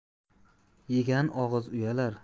yegan og'iz uyalar